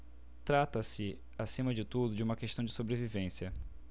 trata-se acima de tudo de uma questão de sobrevivência